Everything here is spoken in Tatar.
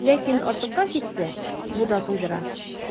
Ләкин артыкка китсә, бу да туйдыра.